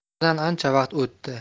oradan ancha vaqt o'tdi